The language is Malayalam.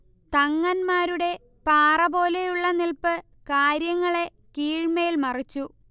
തങ്ങൻമാരുടെ പാറപോലെയുള്ള നിൽപ്പ് കാര്യങ്ങളെ കീഴ്മേൽ മറിച്ചു